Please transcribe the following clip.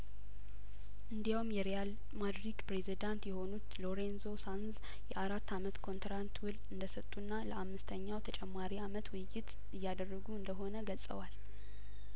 እንዲያውም የሪያል ማድ ሪክ ፕሬዚዳንት የሆኑት ሎሬን ዞሳንዝ የአራት አመት ኮንትንራት ውል እንደሰጡና ለአምስተኛው ተጨማሪ አመት ውይይት እያደረጉ እንደሆነ ገልጸዋል